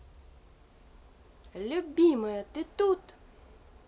любимая ты тут